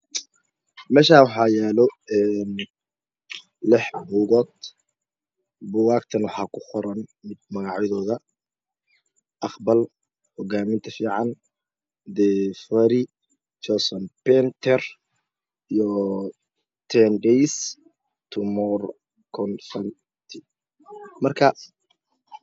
Meeshaan waxaa yaalo lix buugoot buugaagtana waxaa ku qoran magacyadooda Aqbal. Hogaminta Fiican. Defari Jonson benter iyo ten dhays tommorow conistant marka